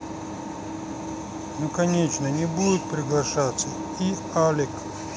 ну конечно не будет приглашаться и алек